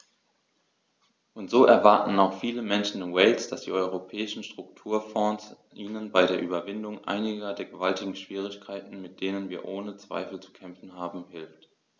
Und so erwarten auch viele Menschen in Wales, dass die Europäischen Strukturfonds ihnen bei der Überwindung einiger der gewaltigen Schwierigkeiten, mit denen wir ohne Zweifel zu kämpfen haben, hilft.